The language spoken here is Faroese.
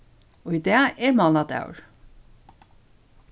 í dag er mánadagur